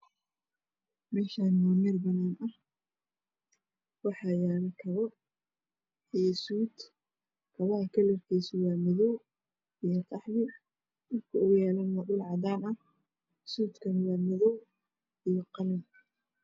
Meshhan waa meel banaan ah waxaa yaalo kabo iyo suud kabaha kalrkoodu waa qaxwi iyo madow sudkana uu yahay madow iyo qalin